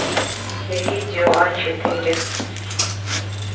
видео а четыре